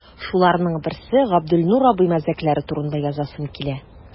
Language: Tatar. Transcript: Шуларның берсе – Габделнур абый мәзәкләре турында язасым килә.